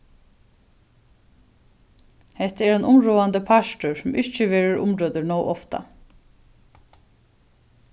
hetta er ein umráðandi partur sum ikki verður umrøddur nóg ofta